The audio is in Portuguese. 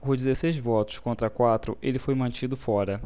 por dezesseis votos contra quatro ele foi mantido fora